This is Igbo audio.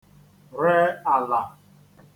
re àlà